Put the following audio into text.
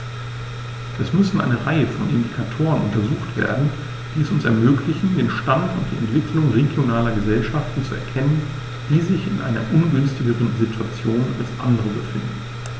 Es müssen eine Reihe von Indikatoren untersucht werden, die es uns ermöglichen, den Stand und die Entwicklung regionaler Gesellschaften zu erkennen, die sich in einer ungünstigeren Situation als andere befinden.